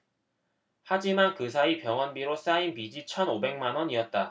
하지만 그 사이 병원비로 쌓인 빚이 천 오백 만원이었다